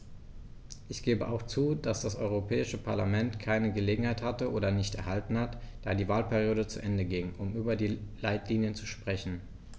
Ich gebe auch zu, dass das Europäische Parlament keine Gelegenheit hatte - oder nicht erhalten hat, da die Wahlperiode zu Ende ging -, um über die Leitlinien zu sprechen.